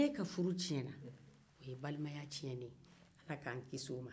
n'e ka furu tiɲɛna o ye balimaya tiɲɛnen ye